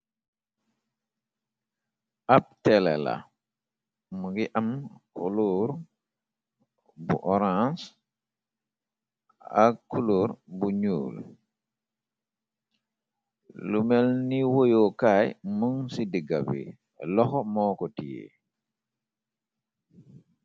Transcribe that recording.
Ab tele la mongi am culoor bu orange ak culor bu nuul lu melni woyokaay mun ci digga bi loxo moo ko tiyee.